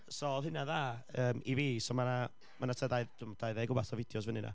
So oedd hynna dda, yym, i fi. So ma' 'na, ma' 'na tua ddau, dwi'm... dau ddeg wbath o fideos fyny 'na.